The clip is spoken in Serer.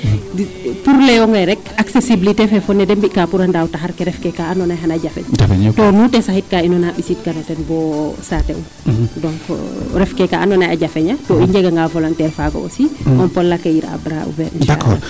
Pour layoonge rek accessiblité :gfra fo neede mbi'kaa pour de ndaaw taxar ke refkee ka andoona yee xan a jafeñ too nuute saxitkaa inaa ɓisiidkan o ten boo saate um. Donc refkee kaa andoona yee a jafeña i njegangee volantaire faaga aussi on peut l' acceuillir a bras ouvert.